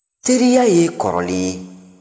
teriya ye kɔrɔlen ye